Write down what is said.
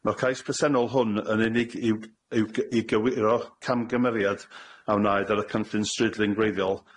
Ma'r cais presennol hwn yn unig i'w i'w g- i gywiro camgymeriad a wnaed ar y cynllun strydlun gwreiddiol,